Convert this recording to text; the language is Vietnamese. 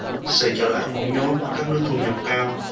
sự trở lại của nhóm các nước thu nhập cao